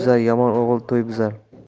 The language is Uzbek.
yomon o'g'il to'y buzar